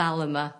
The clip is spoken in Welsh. dal yma